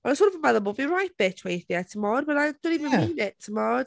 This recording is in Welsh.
Maen nhw siŵr o fod yn meddwl bo' fi'n right bitch weithiau timod? But I don't even mean it, timod?